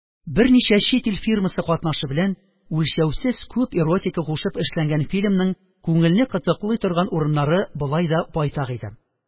Берничә чит ил фирмасы катнашы белән, үлчәүсез күп эротика кушып эшләнгән фильмның күңелне кытыклый торган урыннары болай да байтак иде.